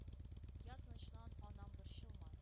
— я, тынычлан, анам, борчылма,